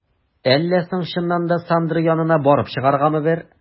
Әллә соң чыннан да, Сандра янына барып чыгаргамы бер?